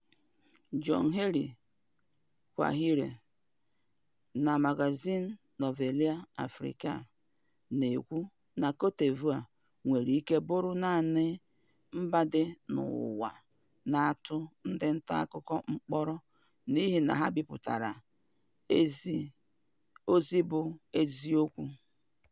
John Henry Kwahulé na magazin Nouvelle Afrique na-ekwu na Côte d'Ivoire nwere ike bụrụ naanị mba dị n'ụwa a na-atụ ndị ntaakụkọ mkpọrọ n'ịhị na ha bipụtara ozi bụ́ eziokwu.